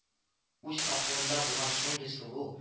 Үз акылында булган шундый сылу